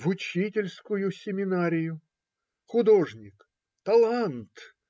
В учительскую семинарию!! Художник, талант!